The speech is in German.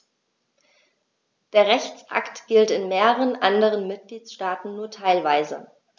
Der Rechtsakt gilt in mehreren anderen Mitgliedstaaten nur teilweise.